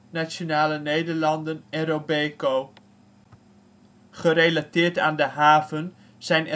Nationale Nederlanden en Robeco. Gerelateerd aan de haven zijn